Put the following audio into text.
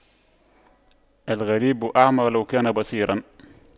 الغريب أعمى ولو كان بصيراً